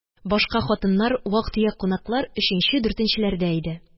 Башка хатыннар, вак-төяк кунаклар өченче, дүртенчеләрдә иде.